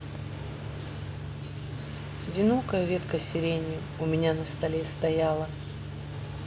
одинокая ветка сирени у меня на столе стояла